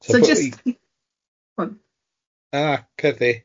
So just... A cer di.